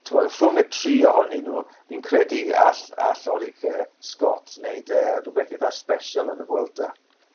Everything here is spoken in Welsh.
t'mo' rhwng y tri ohonyn nhw fi'n credu all all Orica-Scott neud yy rhwbeth itha sbesial yn y Vuelta.